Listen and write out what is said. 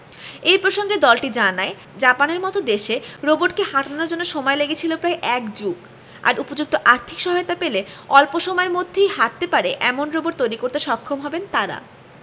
এ প্রসঙ্গে দলটি জানায় জাপানের মতো দেশে রোবটকে হাঁটানোর জন্য সময় লেগেছিল প্রায় এক যুগ আর উপযুক্ত আর্থিক সহায়তা পেলে অল্প সময়ের মধ্যেই হাঁটতে পারে এমন রোবট তৈরি করতে সক্ষম হবেন তারা